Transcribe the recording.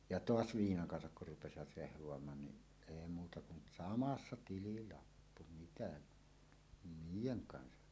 ja taas viinan kanssa kun rupesivat rehvaamaan niin ei muuta kuin samassa tililappu mitä niiden kanssa